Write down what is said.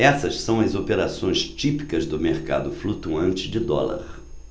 essas são as operações típicas do mercado flutuante de dólar